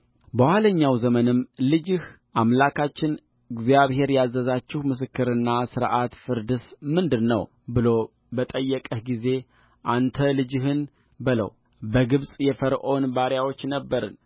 በኋለኛው ዘመንም ልጅህ አምላካችን እግዚአብሔር ያዘዛችሁ ምስክርና ሥርዓት ፍርድስ ምንድር ነው ብሎ በጠየቀህ ጊዜአንተ ልጅህን በለው በግብፅ የፈርዖን ባሪያዎች ነበርን